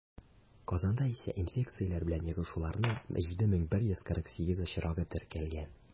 Казанда исә инфекцияләр белән йогышлануның 7148 очрагы теркәлгән.